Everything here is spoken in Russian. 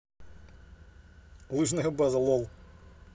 лыжная база лол